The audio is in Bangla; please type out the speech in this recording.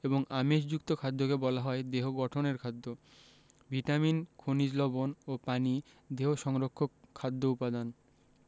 এবং আমিষযুক্ত খাদ্যকে বলা হয় দেহ গঠনের খাদ্য ভিটামিন খনিজ লবন ও পানি দেহ সংরক্ষক খাদ্য উপাদান